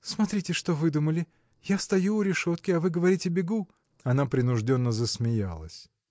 смотрите, что выдумали: я стою у решетки, а вы говорите – бегу. Она принужденно засмеялась.